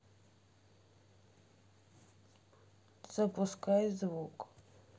запускай звук